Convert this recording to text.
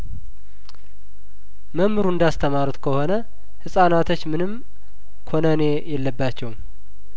መምሩ እንዳስ ተማሩት ከሆነ ህጻናቶች ምንም ኩነኔ የለባቸውም